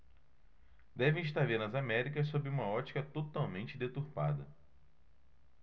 devem estar vendo as américas sob uma ótica totalmente deturpada